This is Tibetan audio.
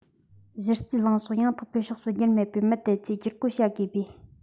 གཞི རྩའི ལངས ཕྱོགས ཡང དག པའི ཕྱོགས སུ བསྒྱུར མེད པའི མི དེ ཚོས བསྒྱུར བཀོད བྱ དགོས པས